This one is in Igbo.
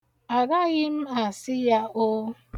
Agaghị m asị ya 'oo'.